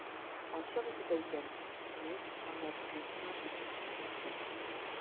Ачык итеп әйтәм: мин анархизмнан киттем.